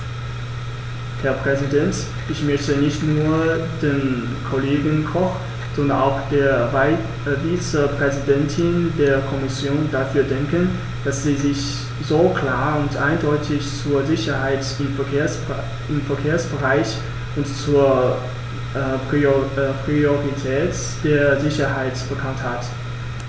Herr Präsident, ich möchte nicht nur dem Kollegen Koch, sondern auch der Vizepräsidentin der Kommission dafür danken, dass sie sich so klar und eindeutig zur Sicherheit im Verkehrsbereich und zur Priorität der Sicherheit bekannt hat.